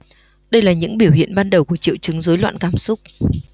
đây là những biểu hiện ban đầu của triệu chứng rối loạn cảm xúc